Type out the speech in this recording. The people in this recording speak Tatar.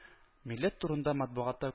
Милләт турында матбугатта